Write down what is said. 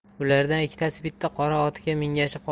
ulardan ikkitasi bitta qora otga mingashib